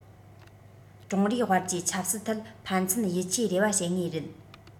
ཀྲུང རིའི དབར གྱི ཆབ སྲིད ཐད ཕན ཚུན ཡིད ཆེས རེ བ བྱེད ངེས རེད